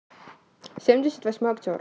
семьдесят восьмой актер